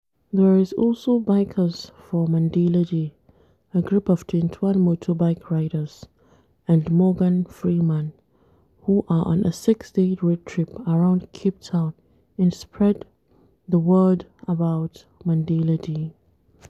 There is also “Bikers for Mandela Day” – a group of 21 motorbike riders (and Morgan Freeman) who are on a six-day road trip around Cape Town in spread the word about Mandela Day.